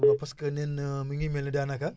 waaw parce nee na mi ngi mel ne daanaka